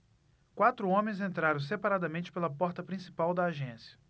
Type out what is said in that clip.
quatro homens entraram separadamente pela porta principal da agência